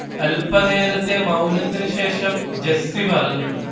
അല്പ്പനേരത്തെ മൌനത്തിനു ശേഷം ജെസ്സി പറഞ്ഞു